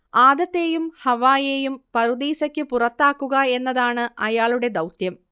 ആദത്തേയും ഹവ്വായേയും പറുദീസയ്ക്ക് പുറത്താക്കുക എന്നതാണ് അയാളുടെ ദൗത്യം